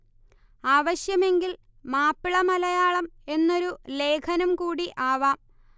ആവശ്യമെങ്കിൽ മാപ്പിള മലയാളം എന്നൊരു ലേഖനം കൂടി ആവാം